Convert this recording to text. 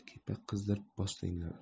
kepak qizdirib bossinlar